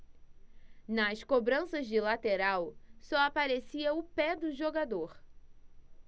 nas cobranças de lateral só aparecia o pé do jogador